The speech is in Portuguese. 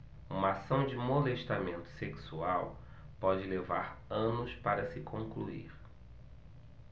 uma ação de molestamento sexual pode levar anos para se concluir